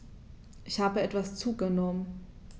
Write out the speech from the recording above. Ich habe etwas zugenommen